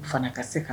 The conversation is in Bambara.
Fana ka se ka